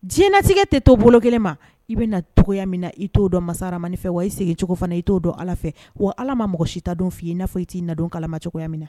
Diɲɛinɛtigɛ tɛ to bolo kelen ma i bɛna nacogo min na i t'o dɔn masaramaniin fɛ wa i segincogo fana i t'o dɔn ala fɛ wa ala ma mɔgɔ si ta don f' i n'a fɔ i t'i nadon kalama cogoya min na